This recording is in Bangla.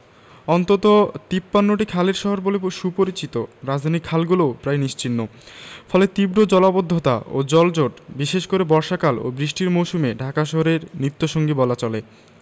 অন্তত ৫৩টি খালের শহর বলে সুপরিচিত রাজধানীর খালগুলোও প্রায় নিশ্চিহ্ন ফলে তীব্র জলাবদ্ধতা ও জলজট বিশেষ করে বর্ষাকাল ও বৃষ্টির মৌসুমে ঢাকা শহরের নিত্যসঙ্গী বলা চলে